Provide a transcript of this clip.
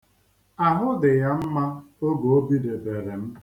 Ahụ dị ya mma oge o bidebere m.